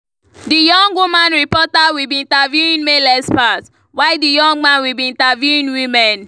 The young woman reporter will be interviewing male experts, while the young man will be interviewing women.